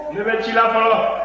ne bɛ ci la fɔlɔ